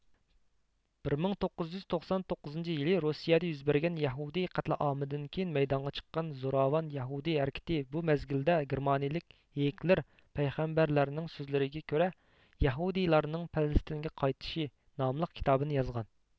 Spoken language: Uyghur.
بىر مىڭ توققۇز يۈز توقسان توققۇزىنچى يىلى روسىيەدە يۈز بەرگەن يەھۇدىي قەتلىئامىدىن كېيىن مەيدانغا چىققان زوراۋان يەھۇدىي ھەرىكىتى بۇ مەزگىلدە گىرمانىيلىك ھېيكلېر پەيغەمبەرلەرنىڭ سۆزلىرىگە كۆرە يەھۇدىيلارنىڭ پەلەستىنگە قايتىشى ناملىق كىتابىنى يازغان